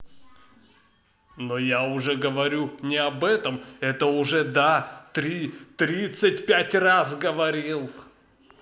но я уже говорю не об этом это уже да три тридцать пять раз говорил